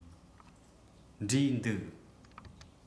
འབྲས འདུག